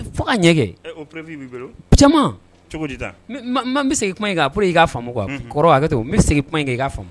Fo ka ɲɛge caman bɛ segin kuma i'a faamumu kɔrɔ to n bɛ'a